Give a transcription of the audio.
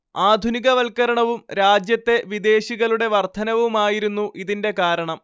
ആധുനികവൽക്കരണവും രാജ്യത്തെ വിദേശികളുടെ വർദ്ധനവുമായിരുന്നു ഇതിന്റെ കാരണം